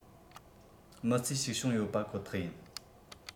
མི ཚེའི ཞིག བྱུང ཡོད པ ཁོ ཐག ཡིན